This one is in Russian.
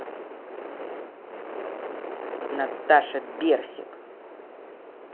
наташа берсик